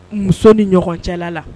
Muso ni ɲɔgɔn cɛla la